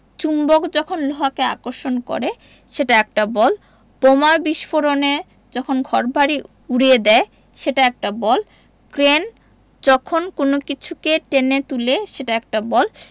চুম্বক যখন লোহাকে আকর্ষণ করে সেটা একটা বল বোমা বিস্ফোরণে যখন ঘরবাড়ি উড়িয়ে দেয় সেটা একটা বল ক্রেন যখন কোনো কিছুকে টেনে তুলে সেটা একটা বল